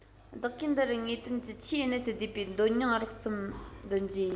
བདག གིས འདི རུ དངོས དོན གྱི ཆེས གནད དུ བསྡུས པའི མདོ སྙིང རགས རིམ ཙམ འདོན རྒྱུ ཡིན